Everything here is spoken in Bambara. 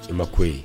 I ma ko ye